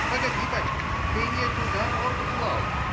— Погоди, бачка, ты не туда морду клал